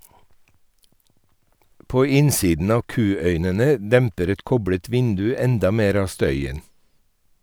På innsiden av kuøynene demper et koblet vindu enda mer av støyen.